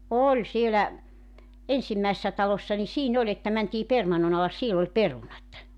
oli siellä ensimmäisissä taloissa niin siinä oli että mentiin permannon alas siellä oli perunat